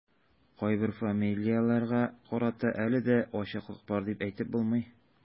Кайбер фамилияләргә карата әле дә ачыклык бар дип әйтеп булмый.